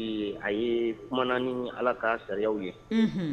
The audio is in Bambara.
A ye, a kumana ni allah ka sariyaw ye.